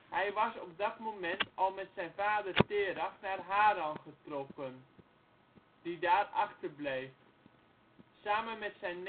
Hij was op dat moment al met zijn vader Terach naar Haran getrokken, die daar achterbleef. Samen met zijn